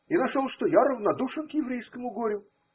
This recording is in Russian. И нашел, что я равнодушен к еврейскому горю.